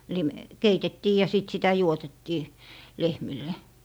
- keitettiin ja sitten sitä juotettiin lehmille